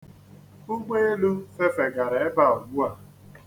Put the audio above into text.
Ụgbọelu fefegara ebe a ugbua.